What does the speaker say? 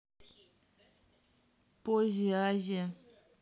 поззи азия